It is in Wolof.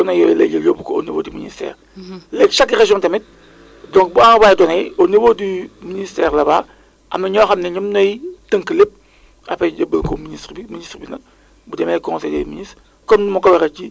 lenn rek moo ñu xaw a jaaxal te même gab boobu sax mi ngi mi ngi xaw a comblé wu moom mooy la fameuse vallée morte bi nga xamate ni bi dafa commencé Diouroup ba astafurlah kër Martin